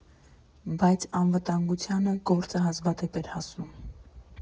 Բայց, անվտանգությանը գործը հազվադեպ էր հասնում։